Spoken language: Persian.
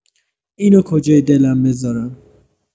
اینو کجای دلم بذارم؟